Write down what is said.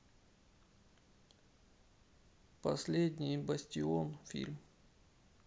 последний бастион фильм